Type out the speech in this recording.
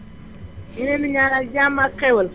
di leen di ñaanal jàmm ak xéwal